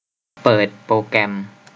เปิดโปรแกรม